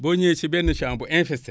boo ñëwee si benn champ bu infesté